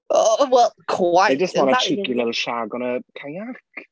Oh, well, quite... They just want a cheeky little shag on a kayak.